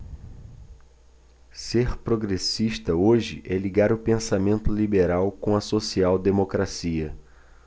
ser progressista hoje é ligar o pensamento liberal com a social democracia